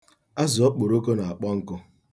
Azụ okporoko na-akpọ nkụ.